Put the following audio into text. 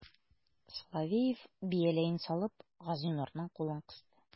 Соловеев, бияләен салып, Газинурның кулын кысты.